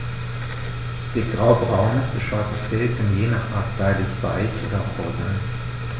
Ihr graubraunes bis schwarzes Fell kann je nach Art seidig-weich oder rau sein.